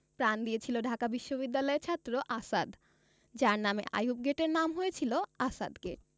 প্রাণ দিয়েছিল ঢাকা বিশ্ববিদ্যালয়ের ছাত্র আসাদ যার নামে আইযুব গেটের নাম হয়েছিল আসাদ গেট